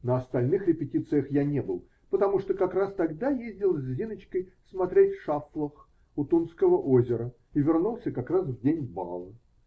На остальных репетициях я не был, потому что как раз тогда ездил с Зиночкой смотреть Шафлох у Тунского озера и вернулся как раз в день бала.